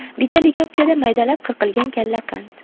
bitta likopchada maydalab qirqilgan kalla qand